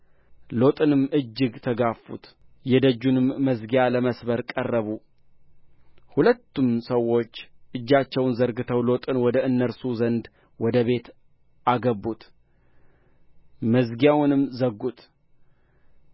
ሎጥንም እጅግ ተጋፉት የደጁንም መዝጊያ ለመስበር ቀረቡ ሁለቱም ሰዎች እጃቸውን ዘርግተው ሎጥን ወደ እነርሱ ዘንድ ወደ ቤት አገቡት መዝጊያውንም ዘጉት